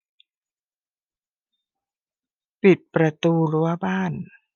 ปิดประตูรั้วบ้าน